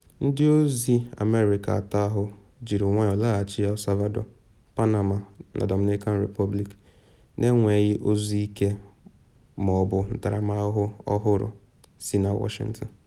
Ndị ozi America atọ ahụ jiri nwayọ laghachi El Salvador, Panama na Dominican Republic na enweghị ozi ike ma ọ bụ ntaramahụhụ ọhụrụ si na Washington.